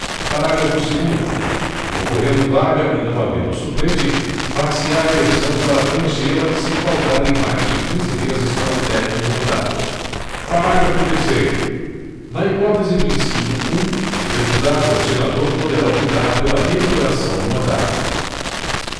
parágrafo segundo ocorrendo vaga e não havendo suplente far se á eleição para preenchê la se faltarem mais de quinze meses para o término do mandato parágrafo terceiro na hipótese do inciso um o deputado ou senador poderá optar pela remuneração do mandato